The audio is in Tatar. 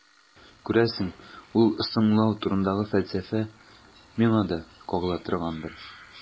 Күрәсең, ул «соңлау» турындагы фәлсәфә миңа да кагыла торгандыр.